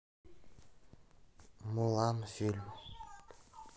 мулан фильм